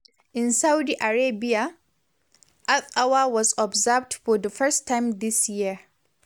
In Saudi Arabia, Earth Hour was observed for the first time this year.